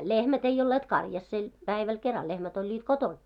lehmät ei olleet karjasella päivällä keralla lehmät olivat kotona